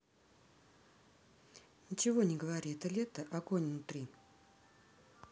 ничего не говори это лето агонь нутри